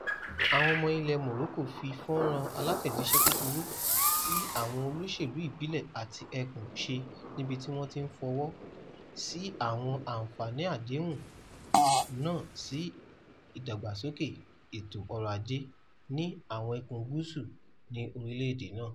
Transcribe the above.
Àwọn ọmọ ilẹ̀ Morocco fi fọ́nràn alátẹ̀jíṣẹ́ kúkúrú tí àwọn olóṣèlú ìbílẹ̀ àti ẹkùn ṣe níbi tí wọ́n ti ń fọwọ́ sí àwọn àǹfààní àdéhùn náà sí ìdàgbàsókè ètò ọrọ̀-ajé ní "àwọn ẹkùn gúúsù" ní orílẹ̀-èdè náà.